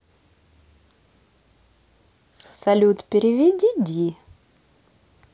салют переведи d